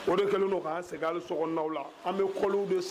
O de kɛlen ka' segin so la an bɛ kɔw